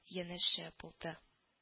Янәшә булды